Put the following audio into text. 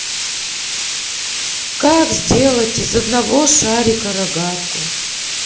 как сделать из одного шарика рогатку